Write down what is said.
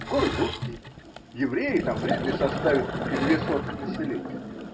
Город русский, евреи там вряд ли составят и две сотых населения.